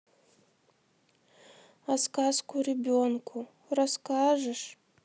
а сказку ребенку расскажешь